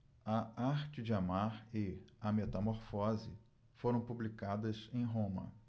a arte de amar e a metamorfose foram publicadas em roma